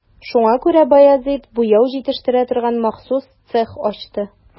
Шуңа күрә Баязит буяу җитештерә торган махсус цех ачты.